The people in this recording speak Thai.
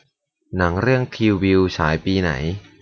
หนังเรื่องคิลบิลฉายปีไหน